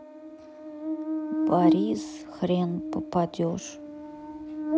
борис хрен попадешь